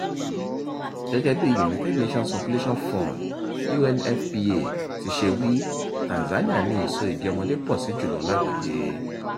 Gẹ́gẹ́ bí United Nations Population Fund (UNFPA) ti ṣe wí, Tanzania ni ìsoyìgì ọmọdé pọ̀ sí jù lọ lágbàáyé.